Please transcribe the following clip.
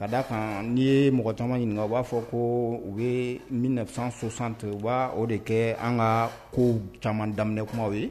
Ka d da a kan ni ye mɔgɔ caman ɲini u b'a fɔ ko u ye minsosan tu u b' o de kɛ an ka ko caman daminɛ kuma ye